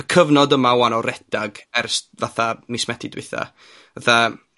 y cyfnod yma, wan o redag ers fatha mis Medi dwytha. Fatha